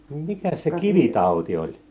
mikäs se kivitauti oli